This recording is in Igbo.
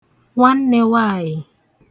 nwannē nwaàyị̀